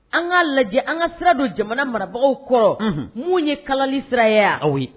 An kaa lajɛ an ka sira don jamana marabagaw kɔrɔ mun ye kalali siraya aw ye